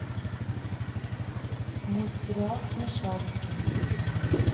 мультсериал смешарики